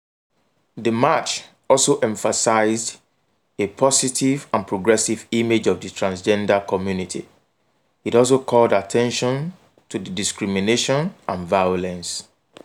The march also emphasized a positive and progressive image of the transgender community; it also called attention to the discrimination and violence.